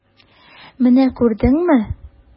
Менә күрдеңме?